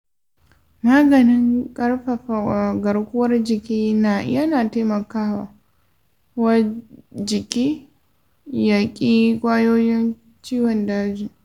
maganin karfafa garkuwar jiki yana taimaka wa jiki ya yaki kwayoyin ciwon daji.